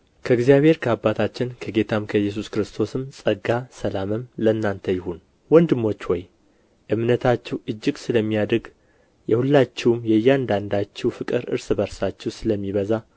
ከእግዚአብሔር ከአባታችን ከጌታ ከኢየሱስ ክርስቶስም ጸጋ ሰላምም ለእናንተ ይሁን ወንድሞች ሆይ እምነታችሁ እጅግ ስለሚያድግ የሁላችሁም የእያንዳንዳችሁ ፍቅር እርስ በርሳችሁ ስለሚበዛ